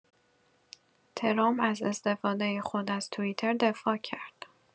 ترامپ از استفاده خود از توییتر دفاع کرد.